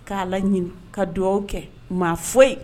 K'a la ɲini ka dugaw kɛ maa foyi yen